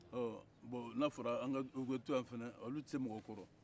bon n'a fɔra k'an ka to yan fana olu tɛ se mɔgɔ kɔrɔ